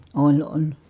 oli oli